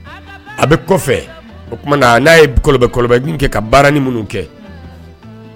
A bɛ kɔfɛ oa yebaba g kɛ ka baara ni minnu kɛ